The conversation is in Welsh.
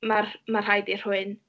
Ma' ma' rhaid i rhywun...